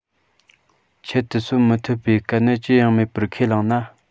ཁྱད དུ གསོད མི ཐུབ པའི དཀའ གནད ཅི ཡང མེད པར ཁས བླངས ན